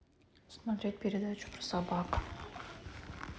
смотреть передачу про собак